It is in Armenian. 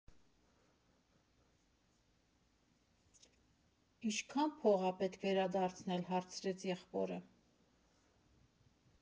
Ինչքա՞ն փող ա պետք վերադարձնել, ֊ հարցրեց եղբորը։